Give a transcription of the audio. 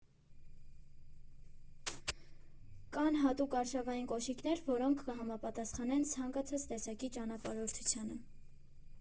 Կան հատուկ արշավային կոշիկներ, որոնք կհամապատասխանեն ցանկացած տեսակի ճանապարհորդությանը։